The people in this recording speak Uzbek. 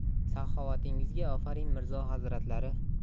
saxovatingizga ofarin mirzo hazratlari